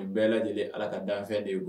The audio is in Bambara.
U bɛɛ lajɛlen ala ka danfɛn de kuwa